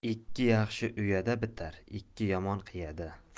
ikki yaxshi uyada bitar ikki yomon qiyada